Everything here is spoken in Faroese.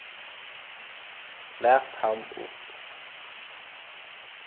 lat hann upp